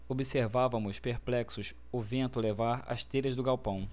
observávamos perplexos o vento levar as telhas do galpão